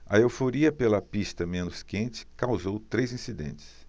a euforia pela pista menos quente causou três incidentes